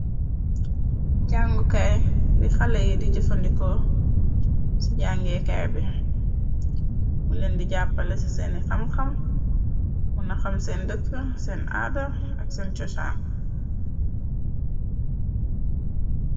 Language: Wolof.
Jangukaay di xale yi bi jëfandikoo ci jangeekaay bi. Muleen di jàppale ci seeni xam xam mu na xam. Seen dëkk seen aada ak seen chosan.